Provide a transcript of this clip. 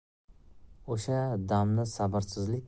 o'sha damni sabrsizlik